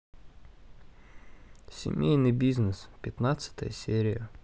семейный бизнес девятнадцатая серия